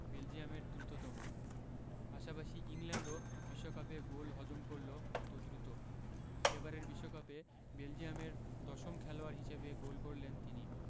বেলজিয়ামের দ্রুততম পাশাপাশি ইংল্যান্ডও বিশ্বকাপে গোল হজম করল এত দ্রুত এবারের বিশ্বকাপে বেলজিয়ামের দশম খেলোয়াড় হিসেবে গোল করলেন তিনি